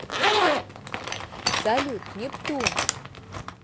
салют нептун